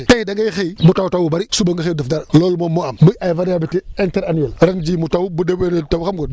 tey da ngay xëy mu taw taw wu bëri suba nga xëy du def dara loolu moom moo am muy ay variabilité inter annuelle ren jii mu taw bu déwénee du taw xam nga